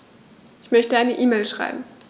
Ich möchte eine E-Mail schreiben.